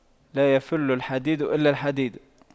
لا يَفُلُّ الحديد إلا الحديد